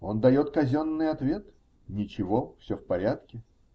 Он дает казенный ответ: "Ничего, все в порядке".